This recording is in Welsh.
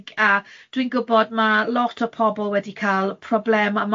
Unig, a dwi'n gwybod ma' lot o pobl wedi cael problemau.